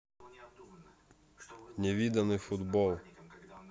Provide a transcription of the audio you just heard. невиданный футбол